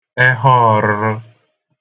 ehọ ọrə̣̄rə̣̄